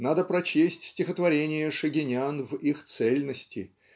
Надо прочесть стихотворения Шагинян в их цельности